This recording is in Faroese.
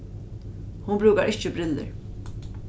hon brúkar ikki brillur